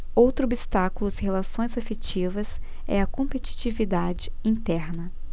outro obstáculo às relações afetivas é a competitividade interna